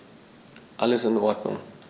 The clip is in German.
Alles in Ordnung.